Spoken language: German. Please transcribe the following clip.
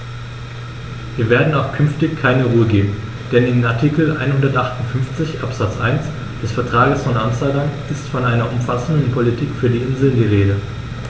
Wir werden auch künftig keine Ruhe geben, denn in Artikel 158 Absatz 1 des Vertrages von Amsterdam ist von einer umfassenden Politik für die Inseln die Rede.